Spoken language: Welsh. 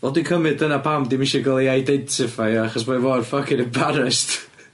Wel dwi'n cymryd dyna pam dim isio cael ei identifio achos mae mor ffycin embarrassed.